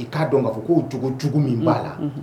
I k'a dɔn k'a fɔ ko jugujugu min b'a la